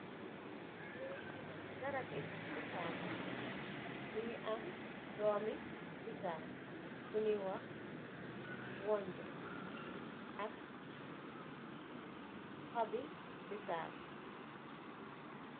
Li garap bi bisaab la mugeh am doomi bisaab bu yui wax wonjo ak xóbi bisaab.